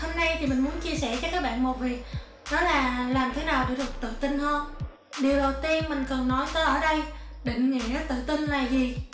hôm nay mình muốn chia sẽ cho các bạn một việc đó là làm thế nào để được tự tin hơn điều đầu tiên mình cần nói tới ở đây định nghĩa tự tin là gì